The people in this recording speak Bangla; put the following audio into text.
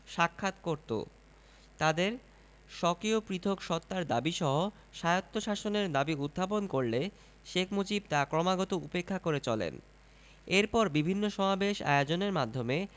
সাক্ষাৎ করত তাদের স্বকীয় পৃথক সত্তার দাবীসহ স্বায়ত্বশাসনের দাবী উত্থাপন করলে শেখ মুজিব তা ক্রমাগত উপেক্ষা করে চলেন এরপর বিভিন্ন সামবেশ আয়োজনের মাধ্যমে